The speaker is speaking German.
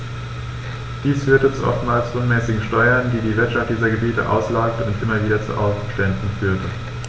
Dies führte zu oftmals unmäßigen Steuern, die die Wirtschaft dieser Gebiete auslaugte und immer wieder zu Aufständen führte.